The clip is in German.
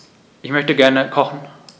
Ich möchte gerne kochen.